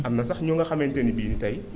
am na sax ñu nga xamante ne bi ni tey